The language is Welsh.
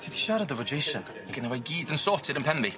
Ti 'di siarad efo Jason, ma' gynno fo i gyd yn sorted yn pen fi.